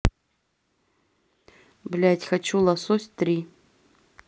блять хочу лосось три